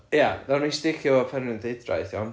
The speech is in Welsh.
ia nawn ni sticio efo Penrhyndeudraeth iawn